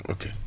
ok